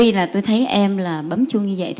tuy là tôi thấy em là bấm chuông như vậy